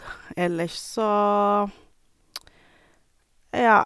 Ellers så, ja.